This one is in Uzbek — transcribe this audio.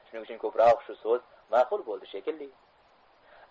shuning uchun ko'proq shu so'z ma'qul bo'ldi shekilli